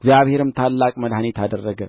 እግዚአብሔርም ታላቅ መድኃኒትአደረገ